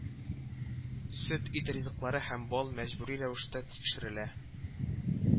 Сөт, ит ризыклары һәм бал мәҗбүри рәвештә тикшерелә